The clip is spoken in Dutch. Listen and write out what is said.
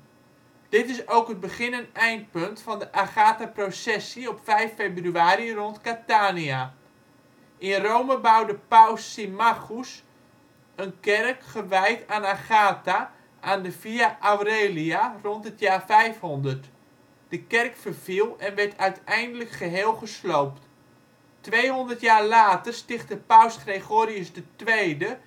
Dit is ook het begin - en eindpunt van de Agathaprocessie op 5 februari rond Catania. In Rome bouwde Paus Symmachus een kerk gewijd aan Agatha aan de Via Aurelia rond het jaar 500. De kerk verviel en werd uiteindelijk geheel gesloopt. Tweehonderd jaar later stichtte Paus Gregorius II in 726